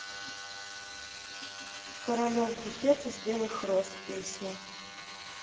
королев букет из белых роз песня